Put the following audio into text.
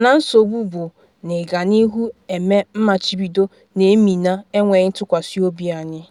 Mana nsogbu bụ na ịganihu eme machibido na-emina enweghị ntụkwasị obi anyị.”